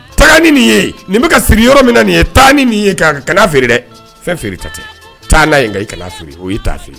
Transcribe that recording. Taani nin ye nin bɛka ka siri yɔrɔ min na nin ye taa ni nin ye ka ka kana feere dɛ fɛn feere ta tɛ taa n'a yen i kana feere o i' feere